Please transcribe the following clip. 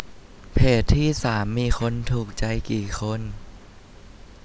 เพจที่สามมีคนถูกใจกี่คน